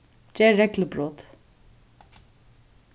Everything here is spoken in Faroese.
ger reglubrot